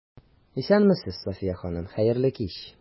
Исәнмесез, Сафия ханым, хәерле кич!